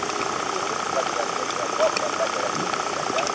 tumshug'ini suqadigan bo'lsa boplab basharasiga tushirasan